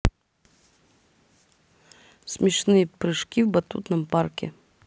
смешные прыжки в батутном парке